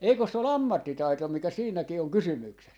eikös se ole ammattitaito mikä siinäkin on kysymyksessä